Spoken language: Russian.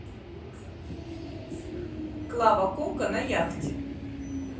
клава кока на яхте